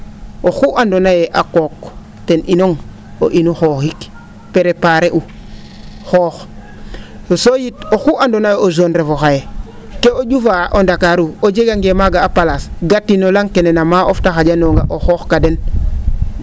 fat oxu andoona yee a qooq ten inong o inu xooxiq preparer u xoox soo yit oxuu andoona yee o jeune refo xaye kee o ?ufaa o Ndakaru o jegangee maaga a place gati no la? kene na maam of te xa?anoonga o xoox ka den